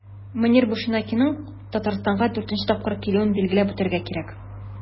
Мөнир Бушенакиның Татарстанга 4 нче тапкыр килүен билгеләп үтәргә кирәк.